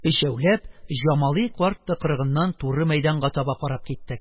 Өчәүләп Җамалый карт тыкрыгыннан туры мәйданга таба карап киттек.